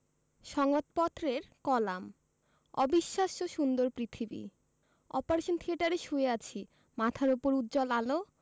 সংবাদপত্রের কলাম অবিশ্বাস্য সুন্দর পৃথিবী অপারেশন থিয়েটারে শুয়ে আছি মাথার ওপর উজ্জ্বল আলো